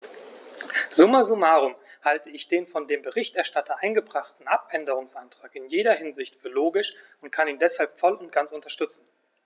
Summa summarum halte ich den von dem Berichterstatter eingebrachten Abänderungsantrag in jeder Hinsicht für logisch und kann ihn deshalb voll und ganz unterstützen.